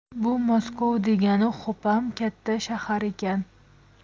bu maskov degani xo'pam katta shahar ekan